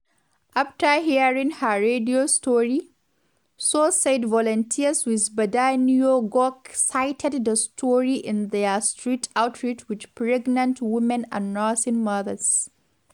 After hearing her radio story, Sow said volunteers with Badianou Guokh cited the story in their street outreach with pregnant women and nursing mothers.